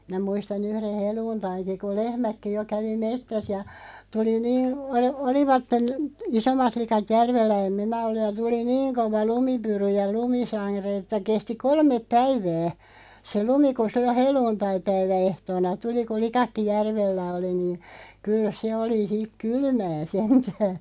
minä muistan yhden helluntainkin kun lehmätkin jo kävi metsässä ja tuli niin - olivat isommat likat järvellä en minä ollut ja tuli niin kova lumipyry ja lumisade että kesti kolme päivää se lumi kun silloin helluntaipäiväehtoona tuli kun likatkin järvellä oli niin kyllä se oli sitten kylmää sentään